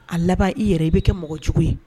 A laban i yɛrɛ i bɛ kɛ mɔgɔ jugu ye